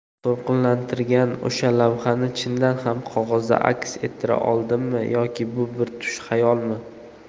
to'lqinlantirgan o'sha lavhani chindan ham qog'ozda aks ettira oldimmi yoki bu bir tush xayolmi